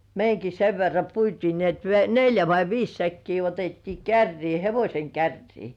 meidänkin sen verran puitiin niin että - neljä vai viisi säkkiä otettiin kärryyn hevosen kärryyn